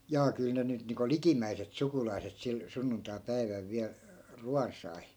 jaa kyllä ne nyt niin kuin likimmäiset sukulaiset sillä sunnuntaipäivällä vielä ruoan sai